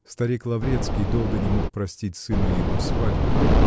Старик Лаврецкий долго не мог простить сыну его свадьбу